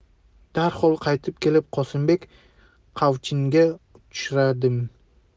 darhol qaytib kelib qosimbek qavchinga uchradim